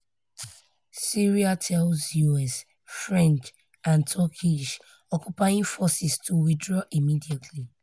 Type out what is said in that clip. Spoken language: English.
Syria tells US, French and Turkish 'occupying forces' to withdraw immediately